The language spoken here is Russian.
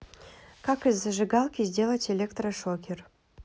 как из зажигалки сделать электрошокер